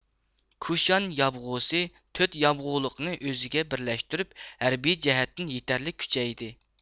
كۇشان يابغۇسى تۆت يابغۇلۇقنى ئۆزىگە بىرلەشتۈرۈپ ھەربىي جەھەتتىن يېتەرلىك كۈچەيدى